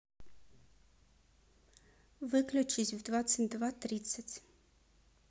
выключись в двадцать два тридцать